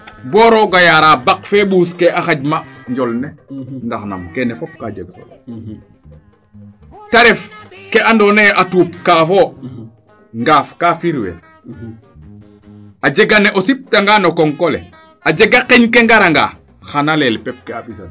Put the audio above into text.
bo rooga yaara baq fee mbuus ke a xanj ma njol ne ndax nam keene fop kaa jeg solo te ref kee ando naye a tuup kaafo ŋaaf ka firwel a jega naa o sipta ngaan o konko le a jega qeñ ke ngara nga xana leel pep ke a mbisa den